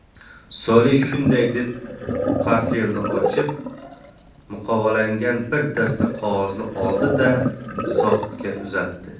soliev shunday deb portfelini ochib muqovalangan bir dasta qog'ozni oldi da zohidga uzatdi